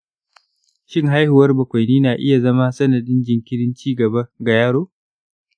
shin haihuwar bakwaini na iya zama sanadin jinkirin ci gaba ga yaro?